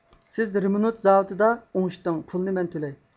سىز رىمونت زاۋۇتىدا ئوڭشىتىڭ پۇلىنى مەن تۆلەي